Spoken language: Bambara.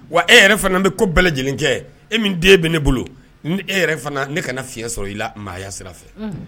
Wa e yɛrɛ fana bɛ ko bɛɛ lajɛlen kɛ? e min den bɛ ne bolo ni e yɛrɛ fana ne kana fiɲɛ sɔrɔ i la maaya sira fɛ. Unhun.